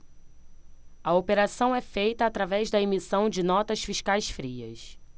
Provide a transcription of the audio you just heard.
a operação é feita através da emissão de notas fiscais frias